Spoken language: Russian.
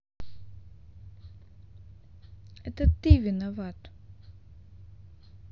это ты виноват